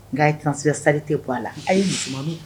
Nka kisiya sali tɛ bɔ a la ayi